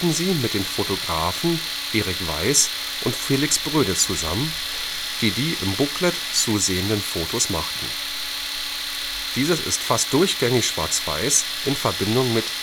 sie mit den Fotografen Erik Weiss und Felix Broede zusammen, die die im Booklet zu sehenden Bilder machten. Dieses ist fast durchgängig schwarz-weiß in Verbindung mit